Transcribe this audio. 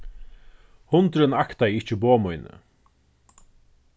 hundurin aktaði ikki boð míni